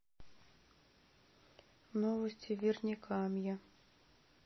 новости вернекамья